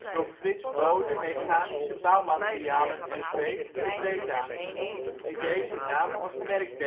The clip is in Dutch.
door Frits Bode Mechanische Bouwmaterialen N.V. te Breda, die deze naam als merk